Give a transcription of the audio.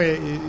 éliminé